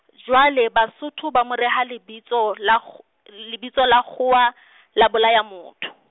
jwale Basotho ba mo re ya bitso la kg-, lebitso la kgowa , la bolaya motho.